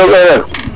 *